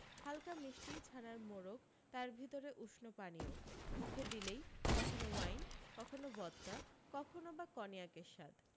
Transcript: হালকা মিস্টি ছানার মোড়ক তার ভিতরে উষ্ণ পানীয় মুখে দিলেই কখনো ওয়াইন কখনো ভদকা কখনো বা কনিয়াকের স্বাদ